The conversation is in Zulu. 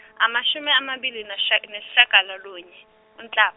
amashumi amabili nesha- neshagalolunye uNhlaba.